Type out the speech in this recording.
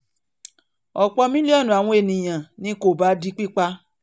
Ọ̀pọ̀ mílíọ̀nù àwọn eniyan ní kòbá di pípa.